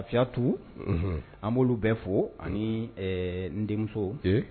Lafiyatu an' bɛɛ fo ani n denmuso